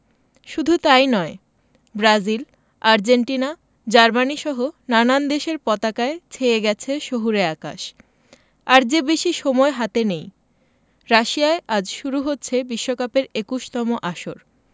শুধু তা ই নয় ব্রাজিল আর্জেন্টিনা জার্মানিসহ নানান দেশের পতাকায় ছেয়ে গেছে শহুরে আকাশ আর যে বেশি সময় হাতে নেই রাশিয়ায় আজ শুরু হচ্ছে বিশ্বকাপের ২১তম আসর